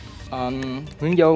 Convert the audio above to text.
ờm nguyễn du